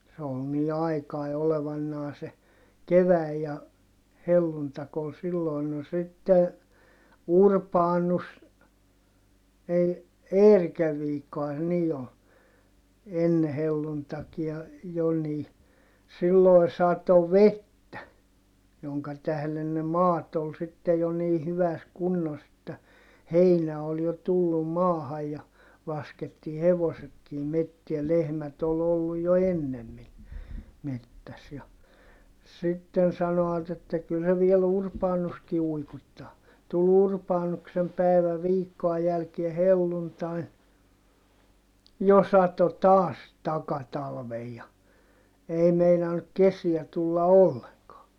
se oli niin aikainen olevanaan se kevät ja helluntai oli silloin no sitten Urbanus ei Eerikän viikkohan se niin oli ennen helluntaitakin jo niin silloin satoi vettä jonka tähden ne maat oli sitten jo niin hyvässä kunnossa että heinä oli jo tullut maahan ja laskettiin hevosetkin metsään lehmät oli ollut jo ennemmin metsässä ja sitten sanoivat että kyllä se vielä Urbanuskin uikuttaa tuli Urbanuksen päivä viikkoa jälkeen helluntain jo satoi taas takatalven ja ei meinannut kesiä tulla ollenkaan